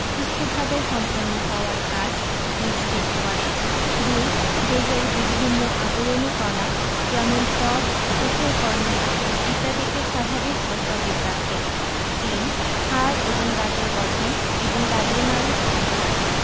সুষ্ঠুভাবে সম্পন্ন হওয়ার কাজ নিশ্চিত করে ২. দেহের বিভিন্ন আবরণী কলা যেমন ত্বক চোখের কর্নিয়া ইত্যাদিকে স্বাভাবিক ও সজীব রাখে ৩. হাড় এবং দাঁতের গঠন এবং দাঁতের মাড়ি সুস্থ রাখে